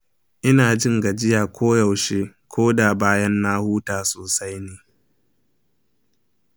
ina jin gajiya koyaushe koda bayan na huta sosai ne.